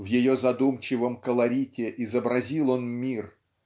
в ее задумчивом колорите изобразил он мир